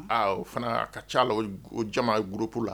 Aa o fana ka c'aa la, o jamaa ye - -groupe la